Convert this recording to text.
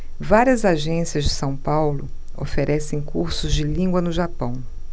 várias agências de são paulo oferecem cursos de língua no japão